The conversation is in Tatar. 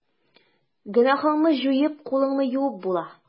Гөнаһыңны җуеп, кулыңны юып була.